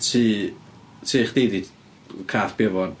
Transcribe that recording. Tŷ, tŷ chdi 'di cath biau fo 'wan.